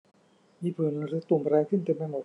มีผื่นหรือตุ่มอะไรขึ้นเต็มไปหมด